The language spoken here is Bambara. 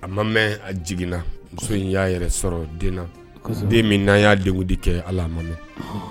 A ma mɛn a jiginna muso in y'a yɛrɛ sɔrɔ den na den min n'a y' de de kɛ ala ma